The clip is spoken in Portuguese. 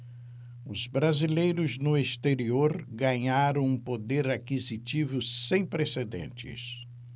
os brasileiros no exterior ganharam um poder aquisitivo sem precedentes